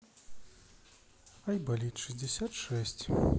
айболит шестьдесят шесть